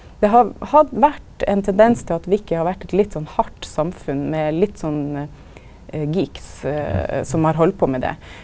det har har vore ein tendens til at wiki har vore eit litt sånn hardt samfunn med litt sånn geeks som har halde på med det.